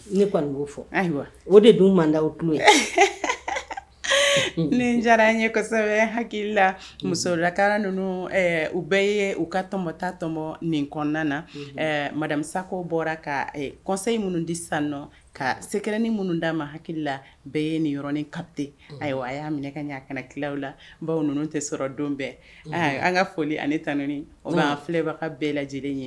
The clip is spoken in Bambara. Ne kɔni'o fɔ ayiwa o de dun mande tulo ni diyara an ye kosɛbɛ hakili la musolaka ninnu u bɛɛ ye u ka tɔnmɔ taa tɔnmɔ nin na mamasako bɔra ka kɔsa in minnu disa nɔ ka sekrɛnin minnu d'a ma hakili la bɛɛ ye ninɔrɔnin kate ayiwa a y'a minɛ ka ɲɛ kana kilaw la n baw ninnu tɛ sɔrɔ don bɛɛ an ka foli ani tan ni filɛbaga ka bɛɛ lajɛlen ye